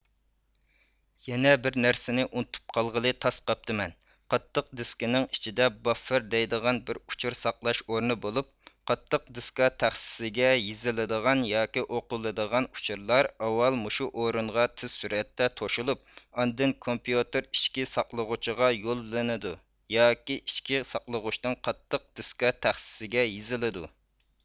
يەنە بىر نەرسىنى ئۇنتۇپ قالغىلى تاس قاپتىمەن قاتتىق دېسكىنىڭ ئىچىدە باففېر دەيدىغان بىر ئۇچۇر ساقلاش ئورنى بولۇپ قاتتىق دېسكا تەخسىىسىگە يېزىلىدىغان ياكى ئوقۇلىدىغان ئۇچۇرلار ئاۋال مۇشۇ ئورۇنغا تېز سۈرئەتتە توشۇلۇپ ئاندىن كومپىيۇتېر ئىچكى ساقلىغۇچىغا يوللىنىدۇ ياكى ئىچىكى ساقلىغۇچىتىن قاتتىق دېسكا تەخسىسىگە يېزىلىدۇ